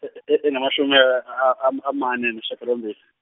e- e- engamashumi a- a- amane nesishaga lombili.